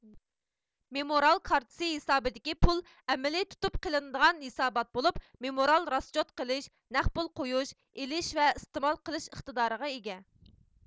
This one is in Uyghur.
مېمورال كارتىسى ھېسابىدىكى پۇل ئەمەلىي تۇتۇپ قېلىنىدىغان ھېسابات بولۇپ مېمورال راسچوت قىلىش نەق پۇل قويۇش ئېلىش ۋە ئىستېمال قىلىش ئىقتىدارىغا ئىگە